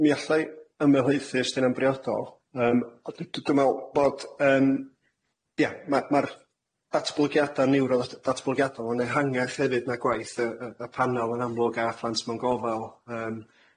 Mi mi allai ymylhoethu os 'di hynna'n briodol yym a d- dwi dwi'n me'wl bod yym, ia ma' ma'r datblygiada niwro-ddat- datblygiadol yn ehangach hefyd na gwaith yy yy y panel yn amlwg a phlant mewn gofal yym.